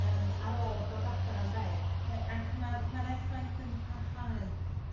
eem ar ôl bod adra ynde? Ac mae'r mae'r effaith yn parhau